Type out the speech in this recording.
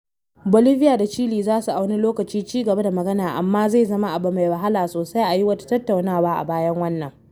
Bolivia da Chile za su a wani lokaci ci gaba da magana, amma zai zama abu mai wahala sosai a yi wa tattaunawa a bayan wannan.